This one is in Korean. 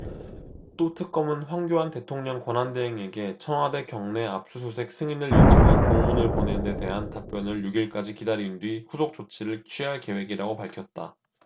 또 특검은 황교안 대통령 권한대행에게 청와대 경내 압수수색 승인을 요청한 공문을 보낸 데 대한 답변을 육 일까지 기다린 뒤 후속 조치를 취할 계획이라고 밝혔다